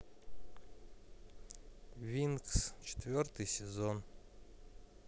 винкс четвертый сезон